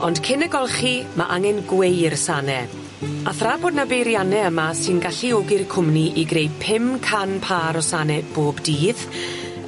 Ond cyn y golchi ma' angen gweu'r sane a thra bod 'na beirianne yma sy'n galluogi'r cwmni i greu pum can par o sane bob dydd